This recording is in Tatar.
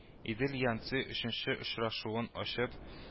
“идел-янцзы” өченче очрашуын ачып